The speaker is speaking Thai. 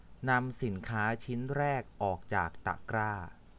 นำสินค้าชิ้นแรกออกจากตะกร้า